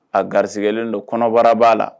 A garisɛgɛlen don kɔnɔbara b'a la